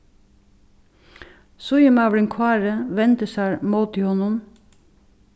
síðumaðurin kári vendir sær móti honum